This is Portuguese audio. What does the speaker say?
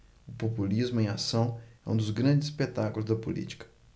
o populismo em ação é um dos grandes espetáculos da política